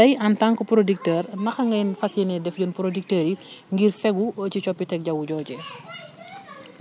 tey en tant que producteur naka ngay fas yéenee def yéen producteurs yi ngir fegu ci coppiteg jaww joojee